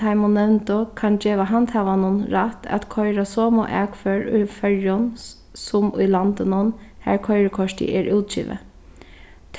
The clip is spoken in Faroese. teimum nevndu kann geva handhavanum rætt at koyra somu akfør í føroyum sum í landinum har koyrikortið er útgivið